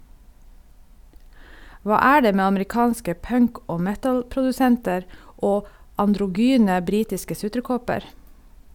Hva er det med amerikanske punk- og metalprodusenter og androgyne britiske sutrekopper?